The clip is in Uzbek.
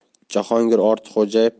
jahongir ortiqxo'jayev